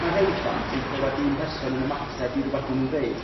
Ma' rhei plant yn clywad un person yn ymateb i r'wbath ma' nhw'n ddeud